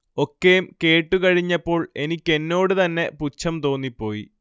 ഒക്കേം കേട്ടുകഴിഞ്ഞപ്പോൾ എനിക്കെന്നോടു തന്നെ പുച്ഛം തോന്നിപ്പോയി